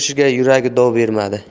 turishga yuragi dov bermadi